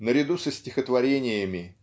Наряду со стихотворениями